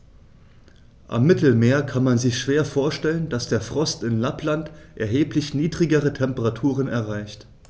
Am Mittelmeer kann man sich schwer vorstellen, dass der Frost in Lappland erheblich niedrigere Temperaturen erreicht.